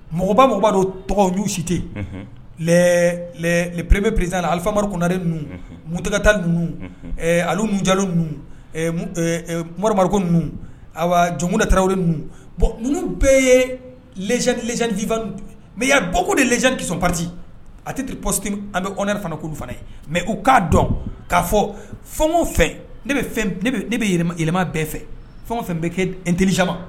Mɔgɔbabo b'a don tɔgɔ'u site lɛbprebp perezla alifari kunnalen ninnu mutakata ninnu alijalo kumabari ko ninnu jɔnda tarawelew bɔn ninnu bɛɛ ye z ni c mɛ' dɔgɔko de z kisɔn pati a tɛ posi an bɛ kɔnɛ fanakulu fana ye mɛ u k'a dɔn k'a fɔ fɛn fɛn ne bɛ yɛlɛma bɛɛ fɛ fɛn fɛn bɛ n terielijama